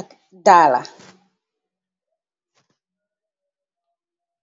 ak dalaax